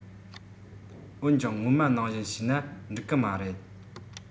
འོན ཀྱང སྔོན མ ནང བཞིན བྱས ན འགྲིག གི མ རེད